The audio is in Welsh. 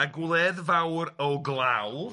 A gwledd fawr o glawdd.